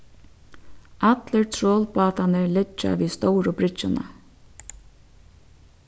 allir trolbátarnir liggja við stóru bryggjuna